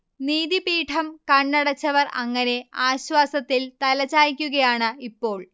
നീതി പീഠം കണ്ണടച്ചവർ അങ്ങനെ ആശ്വാസത്തിൽ തലചായ്ക്കുകയാണ് ഇപ്പോൾ